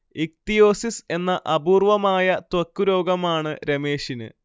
ichthyosis എന്ന അപൂർവമായ ത്വക്ക് രോഗമാണ് രമേഷിന്